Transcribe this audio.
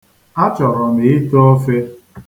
Achọrọ m ite ofe.